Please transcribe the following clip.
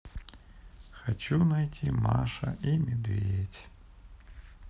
хочу найти маша и медведь